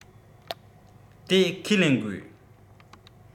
དེ ཁས ལེན དགོས